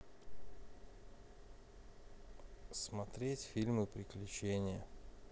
смотреть фильмы приключения